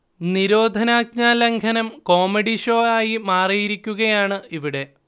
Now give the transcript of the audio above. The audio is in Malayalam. നിരോധനാജ്ഞ ലംഘനം കോമഡി ഷോ ആയി മാറിയിരിക്കുകയാണ് ഇവിടെ